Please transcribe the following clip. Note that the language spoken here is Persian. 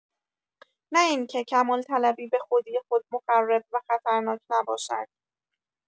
نه اینکه کمال‌طلبی به‌خودی‌خود مخرب و خطرناک نباشد.